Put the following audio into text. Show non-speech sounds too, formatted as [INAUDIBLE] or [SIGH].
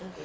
[HESITATION] [HESITATION]